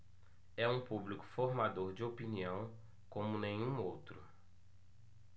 é um público formador de opinião como nenhum outro